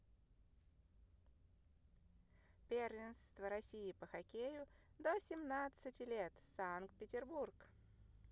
первенство россии по хоккею до семнадцати лет санкт петербург